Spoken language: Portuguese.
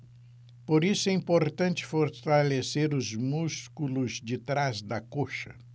por isso é importante fortalecer os músculos de trás da coxa